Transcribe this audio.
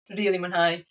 Rili mwynhau.